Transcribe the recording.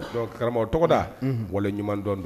C karamɔgɔ o tɔgɔda wala ɲuman dɔn don